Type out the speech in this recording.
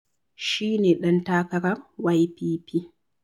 Shi ne ɗan takarar YPP.